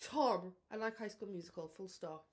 Tom, I like High School Musical, full stop.